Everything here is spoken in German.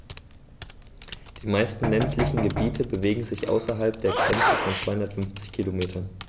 Die meisten ländlichen Gebiete bewegen sich außerhalb der Grenze von 250 Kilometern.